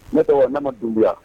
Nesa wa ne ma dunbila